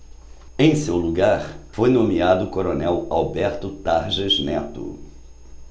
em seu lugar foi nomeado o coronel alberto tarjas neto